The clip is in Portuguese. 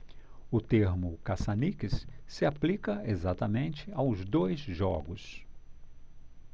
o termo caça-níqueis se aplica exatamente aos dois jogos